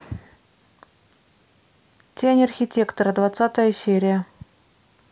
тень архитектора двадцатая серия